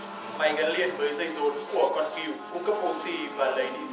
máy gắn liền với dây rốn của con cừu cung cấp ô xi và lấy đi